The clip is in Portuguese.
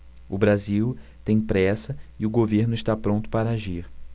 o brasil tem pressa e o governo está pronto para agir